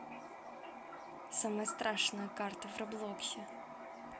самая страшная карта в роблоксе